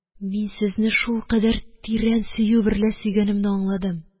Мин сезне шулкадәр тирән сөю берлә сөйгәнемне аңладым.